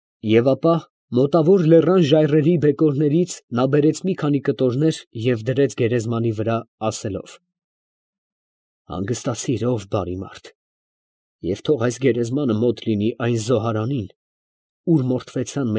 Եվ ապա մոտավոր լեռան ժայռերի բեկորներից բերեց մի քանի կտորներ և դրեց գերեզմանի վրա, ասելով. ֊ Հանգստացի՜ր, ո՛վ բարի մարդ, և թող այս գերեզմանը մոտ լինի այդ զոհարանին, ուր մորթվեցան։